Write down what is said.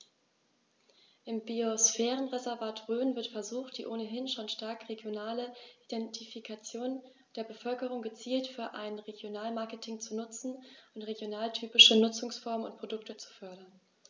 Im Biosphärenreservat Rhön wird versucht, die ohnehin schon starke regionale Identifikation der Bevölkerung gezielt für ein Regionalmarketing zu nutzen und regionaltypische Nutzungsformen und Produkte zu fördern.